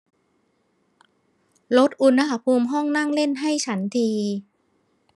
ลดอุณหภูมิห้องนั่งเล่นให้ฉันที